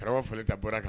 Karamɔgɔ .